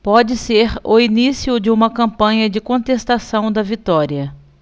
pode ser o início de uma campanha de contestação da vitória